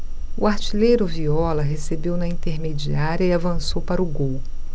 o artilheiro viola recebeu na intermediária e avançou para o gol